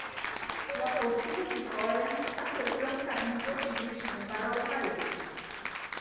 sua possível vitória assegura um caminho de otimismo para o país